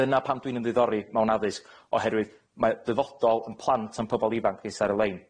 Dyna pan dwi'n ymddiddori mewn addysg oherwydd mae dyfodol yn plant a'n pobol ifanc ni sy' ar y lein,